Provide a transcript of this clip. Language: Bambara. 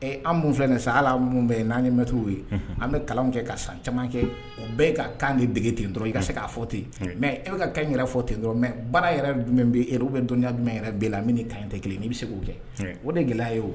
An fɛ sa ala minnu bɛ ye'mɛti ye an bɛ kalan kɛ ka san caman kɛ o bɛɛ ka kan ni degege ten dɔrɔn i ka se' fɔ ten yen mɛ e bɛ ka kan n yɛrɛ fɔ ten dɔrɔn mɛ baara yɛrɛ bɛ dɔnya jumɛn yɛrɛ bɛ la min ni ta tɛ kelen ni bɛ se' kɛ o de gɛlɛya ye o